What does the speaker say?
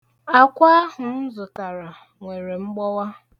Akwa ahụ m zụtara nwere mgbọwa.